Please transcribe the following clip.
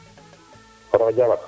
ano Diawat